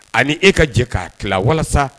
Ani e ka jɛ k'a tila walasa